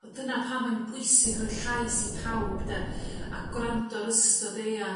Dyna pam mai'n bwysig roi llais i pawb de? A gwrando ar ystod eang